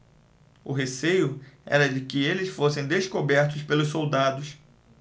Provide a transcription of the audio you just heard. o receio era de que eles fossem descobertos pelos soldados